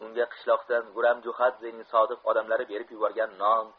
unga qishloqdan guram jo'xadzening sodiq odamlari berib yuborgan non